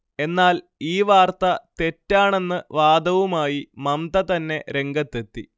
എന്നാൽ ഈ വാർത്ത തെറ്റാണെന്ന് വാദവുമായി മംമ്ത തന്നെ രംഗത്തെത്തി